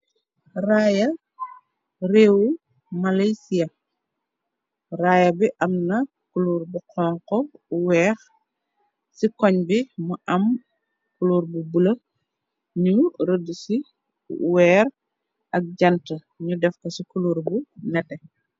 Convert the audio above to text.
Raaya réewu Malaysia, raaya bi am na kuluur bu xonxo, weex, ci koñ bi mu am kuluur bu bula, ñu rëdd ci weer ak jante ñu defka ci kuluur bu nete.